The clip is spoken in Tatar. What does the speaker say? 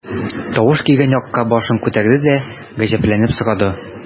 Тавыш килгән якка башын күтәрде дә, гаҗәпләнеп сорады.